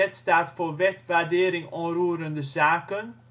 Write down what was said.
staat voor Wet Waardering Onroerende Zaken